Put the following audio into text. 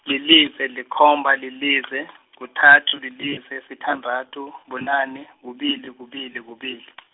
lilize, likhomba, lilize, kuthathu, lilize, sithandathu, bunane, kubili, kubili, kubili .